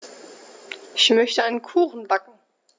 Ich möchte einen Kuchen backen.